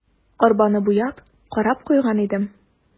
Арбаны буяп, карап куйган идем.